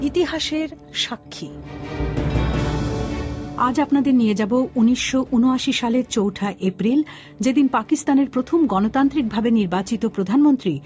ইতিহাসের সাক্ষী আজ আপনাদের নিয়ে যাব ১৯৭৯ সালের চৌধুরী চৌঠা এপ্রিল যেদিন পাকিস্তানের প্রথম গণতান্ত্রিকভাবে নির্বাচিত প্রধানমন্ত্রী